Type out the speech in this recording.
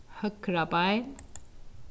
høgra bein